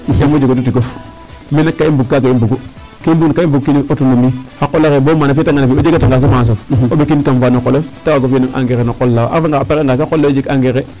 Yaam wo jegoodu tigof mi' nak kaaga i mbugu ke mbugna kaa i mbug autonomie xa qol axe bo maa ta refna o jeganga semence of o ɓekin kam faa no qolof te waag o fi' engrais no qol olaa wo' a refanga a pare'anga sax o qol lewo jeg engrais.